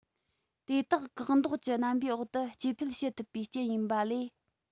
དེ དག བཀག འདོགས ཀྱི རྣམ པའི འོག ཏུ སྐྱེ འཕེལ བྱེད ཐུབ པའི རྐྱེན ཡིན པ ལས